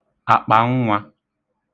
àkpànnwā